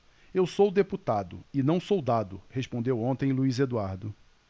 eu sou deputado e não soldado respondeu ontem luís eduardo